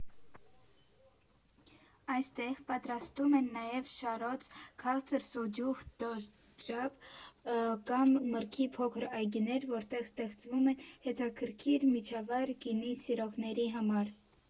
Այստեղ պատրաստում են նաև շարոց՝ քաղցր սուջուխ, դոշաբ, կան մրգի փոքր այգիներ, որտեղ ստեղծվում է հետաքրքիր միջավայր գինի սիրողների համար։